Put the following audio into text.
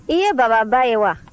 i ye baba ba ye wa